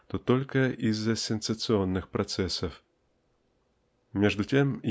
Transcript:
то только из-за сенсационных процессов. Между тем